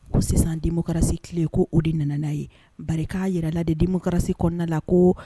Ko sisan democratie tile ko o de nana n'a ye bari k'a jira de democratie kɔnɔna la ko